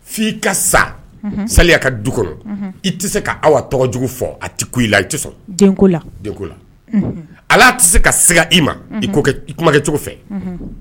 F'i ka sa. Uhun. Saliya ka du kɔnɔ. Unhun. I tɛ se ka Awa tɔgɔ jugu fɔ, a tɛ kun i la, i tɛ sɔn. Denko la. Denko la, hal'a tɛ se ka siga i ma i kuma kɛ cogo fɛ. Unhun.